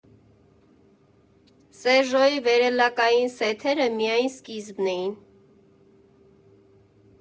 Սերժոյի վերելակային սեթերը միայն սկիզբն էին։